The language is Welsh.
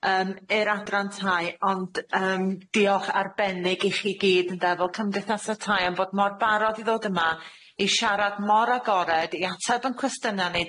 yym i'r Adran Tai, ond yym diolch arbennig i chi gyd, ynde, fel cymdeithasa' y tai am fod mor barod i ddod yma, i siarad mor agored, i atab 'yn cwestiyna ni,